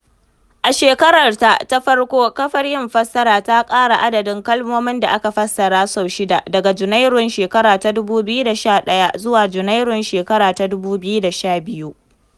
A shekararta ta farko, kafar yin fassara ta ƙara adadin kalmomin da aka fassara sau shida (daga Junairun 2011 zuwa Junairun 2012).